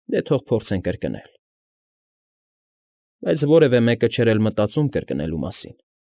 Դե թող փորձեն կրկնել»։ Բայց որևէ մեկը չէր էլ մտածում կրկնելու մասին։